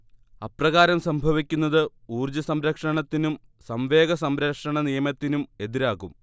അപ്രകാരം സംഭവിക്കുന്നത് ഊർജ്ജസംരക്ഷണത്തിനും സംവേഗസംരക്ഷണനിയമത്തിനും എതിരാകും